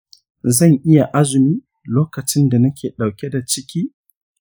zan iya azumi lokacin da nake dauke da ciki